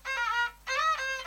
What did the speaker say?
Ɛɛ